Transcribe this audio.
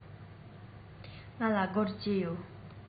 ང ལ སྒོར བཅུ ཡོད